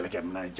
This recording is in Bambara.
Alekɛ na